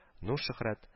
Ну, Шөһрәт